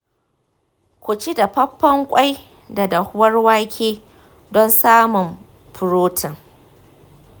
ku ci dafaffen ƙwai da dahuwar wake don samun furotin.